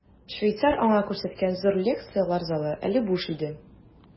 Швейцар аңа күрсәткән зур лекцияләр залы әле буш иде.